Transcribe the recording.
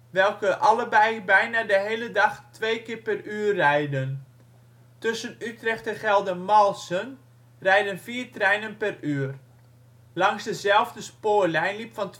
welke allebei bijna de hele dag twee keer per uur rijden. Tussen Utrecht en Geldermalsen rijden vier treinen per uur. Langs dezelfde spoorlijn liep van